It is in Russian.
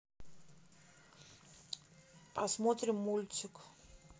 посмотрим мультик